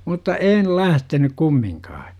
mutta en lähtenyt kumminkaan